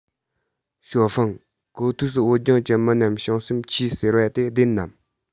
ཞའོ ཧྥུང གོ ཐོས སུ བོད ལྗོངས ཀྱི མི རྣམས བྱང སེམས ཆེ ཟེར བ དེ བདེན ནམ